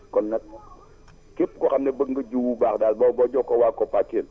kon nag képp koo xam ne bëgg nga jiw bu baax daal boo boo jokkoo ak waa COPACEL